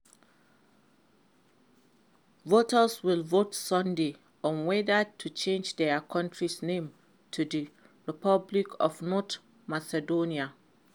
Voters will vote Sunday on whether to change their country's name to the "Republic of North Macedonia."